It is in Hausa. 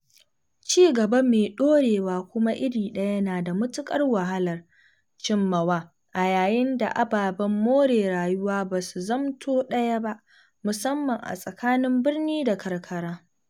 Ci-gaba mai ɗorewa kuma iri ɗaya na da matuƙar wahalar cimmawa a yayin da ababen more rayuwa ba su zamto ɗaya ba, musamman a tsakanin birni da karkara.